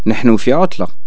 نحن في عطلة